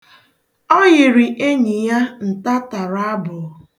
Ọ yịrị enyi ya ntatarabụ.